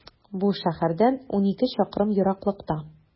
Бу шәһәрдән унике чакрым ераклыкта.